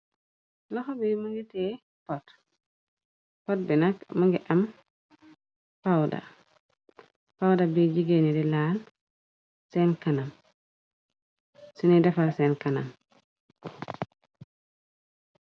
Loxa bi mëngitee pot pot bi nak më ngi am pawda pawda bi jigee nidi laal seen kanam si nu defal seen kanam.